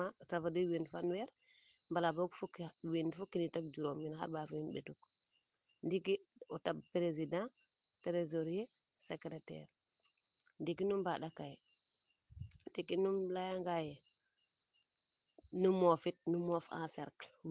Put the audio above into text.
ca veut dire wiin fanweer bala book fukki wiin fukki nit a juroom xarɓaxay fo wiin mbetuk ndiiki o xota president tresorier secretaire ndiiki nu mbanda cahier ndiiki nu leya ngaye nu moofit nu moof en cercle